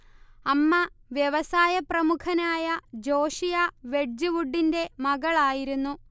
അമ്മ വ്യവസായപ്രമുഖനായ ജോഷിയാ വെഡ്ജ്വുഡിന്റെ മകളായിരുന്നു